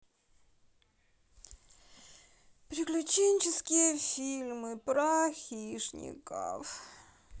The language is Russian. приключенческие фильмы про хищников